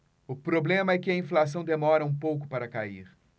o problema é que a inflação demora um pouco para cair